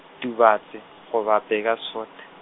Dubatse, goba Bugersfort.